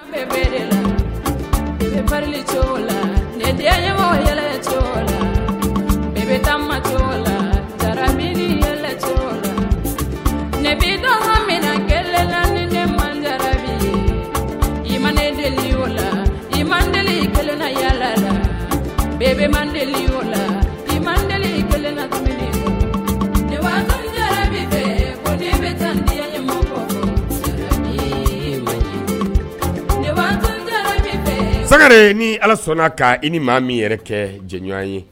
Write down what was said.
La tilecogo la ne yɛlɛcogo la ne bɛ taa macogo la saramini yɛlɛcogo la ne bɛminɛ kelen la ni ne ma i ma ne delieli o la i ma delieli kelenla yɛlɛ la i bɛ ma delieli o la i ma delieli kelen la tile ne ni ala sɔnna ka i ni maa min yɛrɛ kɛ jɛɲɔgɔn ye